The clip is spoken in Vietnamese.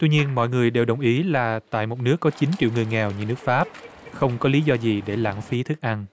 tuy nhiên mọi người đều đồng ý là tại một nước có chín triệu người nghèo như nước pháp không có lý do gì để lãng phí thức ăn